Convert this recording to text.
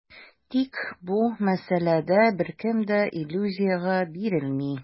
Тик бу мәсьәләдә беркем дә иллюзиягә бирелми.